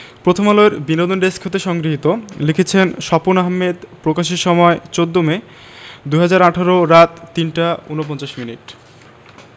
প্রথমআলো এর বিনোদন ডেস্ক হতে সংগৃহীত লিখেছেনঃ স্বপন আহমেদ প্রকাশের সময় ১৪মে ২০১৮ রাত ৩টা ৪৯ মিনিট